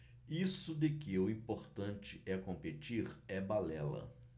isso de que o importante é competir é balela